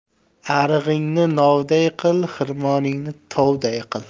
arig'ingni novday qil xirmoningni tovday qil